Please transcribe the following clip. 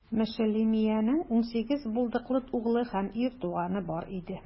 Мешелемиянең унсигез булдыклы углы һәм ир туганы бар иде.